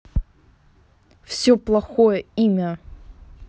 все плохое имя